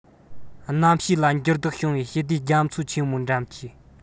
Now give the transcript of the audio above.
གནམ གཤིས ལ འགྱུར ལྡོག བྱུང བའི ཞི བདེ རྒྱ མཚོ ཆེན མོའི འགྲམ གྱི